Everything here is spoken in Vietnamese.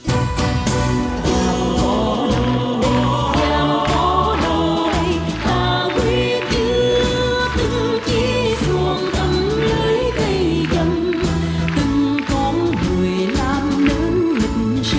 vàm cỏ đông đây vàm cỏ đông đây ta quyết giữ từng chiếc xuồng tấm lưới cây dầm từng con người làm nên lịch sử